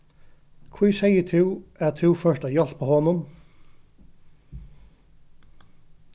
hví segði tú at tú fórt at hjálpa honum